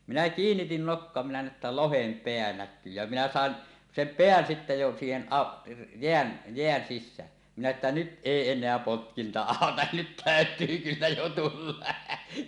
minä kiinnitin nokkaa minä näin että lohen pää näkyy ja minä saan sen pään sitten jo siihen - jään jään sisään minä että nyt ei enää potkinta auta nyt täytyy kyllä jo tulla